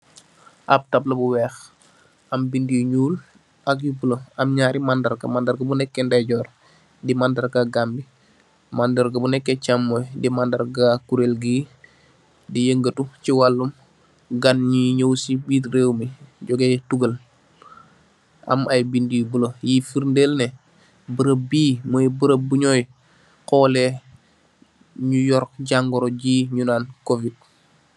app tabla bu weih am binda yu nyuul ak yu blue am nyarri mandarr nga mandarr nga gu nekeh ndey jorr d mandarr ga Gambia mandarr ga bunekeh chamunj d mandarr ga kulerr gi d yengatu sey walum gan nyui nyow sey birr rewmi jogeh tugal am i binda yu blue yui fernel neh bereb bi moi bereb bu nyoi holleh nyu yorr jangoroh gi nyunan covid.